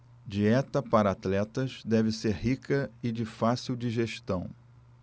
dieta para atletas deve ser rica e de fácil digestão